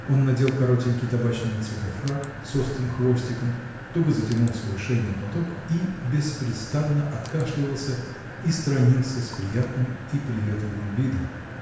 Он надел коротенький табачного цвета фрак с острым хвостиком, туго затянул свой шейный платок и беспрестанно откашливался и сторонился с приятным и приветливым видом.